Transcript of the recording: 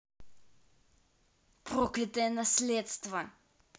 проклятое наследство